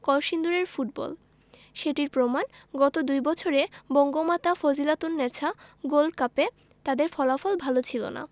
কলসিন্দুরের ফুটবল সেটির প্রমাণ গত দুই বছরে বঙ্গমাতা ফজিলাতুন্নেছা গোল্ড কাপে তাদের ফলাফল ভালো ছিল না